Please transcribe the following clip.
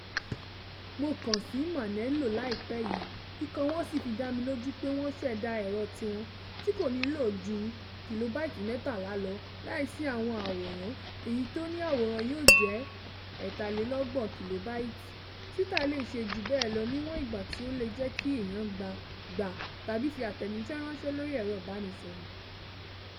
Mo kàn sí Maneno láìpẹ́ yìí, ikọ̀ wọn sì fi dá mi lójú pé wọn ṣẹ̀dá ẹ̀rọ tiwọn tí kò ní lò ju 13 kb lọ lai sí àwọn àwòrán, èyí tó ní àwòrán yóò jẹ́ 33 kb. Twitter lè ṣe jù bẹ́ẹ̀ lọ níwọ̀n ìgbà tí ó lè jẹ́ kí èèyàn gbà tàbí fi àtẹ̀jíṣẹ́ ránṣẹ́ lórí ẹ̀rọ ìbánisọ̀rọ̀.